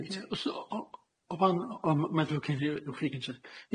Ie o s- o o pan o m- ma'n ddrwg gen i ewch chi gynta.